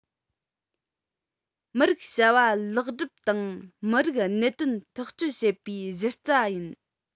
མི རིགས བྱ བ ལེགས སྒྲུབ དང མི རིགས གནད དོན ཐག གཅོད བྱེད པའི གཞི རྩ ཡིན